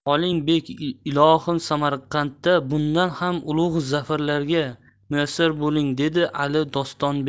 oling bek ilohim samarqandda bundan ham ulug' zafarlarga muyassar bo'ling dedi ali do'stbek